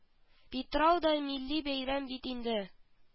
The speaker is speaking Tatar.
Питрау да милли бәйрәм бит инде